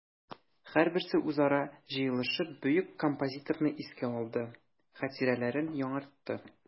Һәрберсе үзара җыелышып бөек композиторны искә алды, хатирәләрен яңартты.